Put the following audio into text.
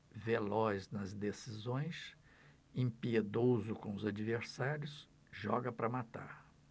veloz nas decisões impiedoso com os adversários joga para matar